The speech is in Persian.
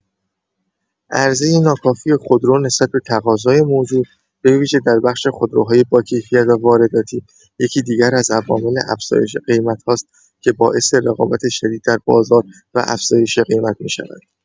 عرضه ناکافی خودرو نسبت به تقاضای موجود، به‌ویژه در بخش خودروهای باکیفیت و وارداتی، یکی دیگر از عوامل افزایش قیمت‌هاست که باعث رقابت شدید در بازار و افزایش قیمت می‌شود.